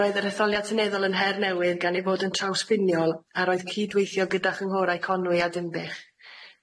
Roedd yr etholiad Seneddol yn her newydd gan ei fod yn trawsfiniol a roedd cydweithio gyda chynghorau Conwy a Dinbych.